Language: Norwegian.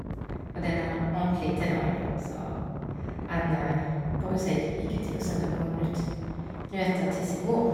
Fordi han er ordentlig tenåringen, så han bryr seg t ikke til å sende noe nytt nyheter til sin mor.